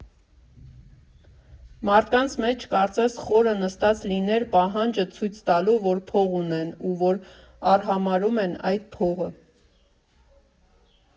Մարդկանց մեջ կարծես խորը նստած լիներ պահանջը ցույց տալու, որ փող ունեն ու որ արհամարհում են այդ փողը»։